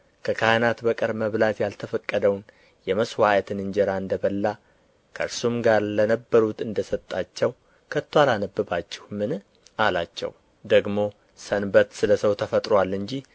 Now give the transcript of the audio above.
ከካህናት በቀር መብላት ያልተፈቀደውን የመሥዋዕትን እንጀራ እንደ በላ ከእርሱም ጋር ለነበሩት እንደ ሰጣቸው ከቶ አላነበባችሁምን አላቸው ደግሞ ሰንበት ስለ ሰው ተፈጥሮአል እንጂ